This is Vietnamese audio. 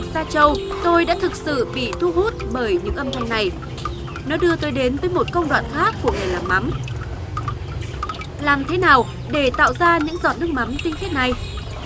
sa châu tôi đã thực sự bị thu hút bởi những âm thanh này nó đưa tôi đến với một công đoạn khác của nghề làm mắm làm thế nào để tạo ra những giọt nước mắm tinh khiết này